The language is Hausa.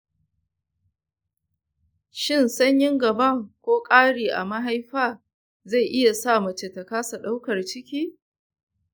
shin sanyin gaba ko ƙari a mahaifa zai iya sa mace ta kasa ɗaukar ciki ?